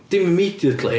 Dim immediately.